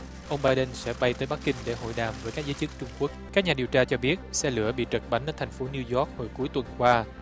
ông bai đừn sẽ bay tới bắc kinh để hội đàm với các giới chức trung quốc các nhà điều tra cho biết xe lửa bị trật bánh ở thành phố niu doóc hồi cuối tuần qua